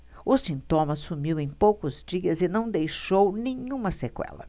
o sintoma sumiu em poucos dias e não deixou nenhuma sequela